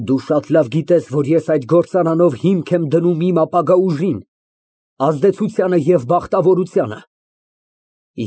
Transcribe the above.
Դու շատ լավ գիտես, որ ես այդ գործարանով հիմք եմ դնում իմ ապագա ուժին, ազդեցությանը և բախտավորությանը։